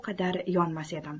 bu qadar yonmas edim